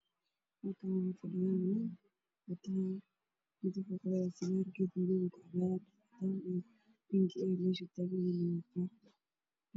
Meeshaan waxaa ka muuqdo labo sargaal oo qabto tuute cadays ah background ka waa guduud